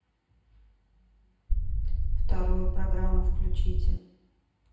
вторую программу включите